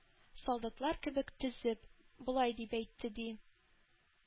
Солдатлар кебек тезеп, болай дип әйтте, ди,